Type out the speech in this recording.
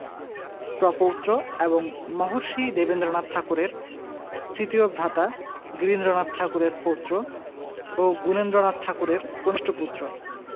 প্রপৌত্র এবং মহর্ষি দেবেন্দ্রনাথ ঠাকুরের তৃতীয় ভ্রাতা গিরীন্দ্রনাথ ঠাকুরের পৌত্র ও গুণেন্দ্রনাথ ঠাকুরের কনিষ্ঠ পুত্র